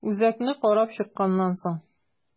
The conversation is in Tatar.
Үзәкне карап чыкканнан соң.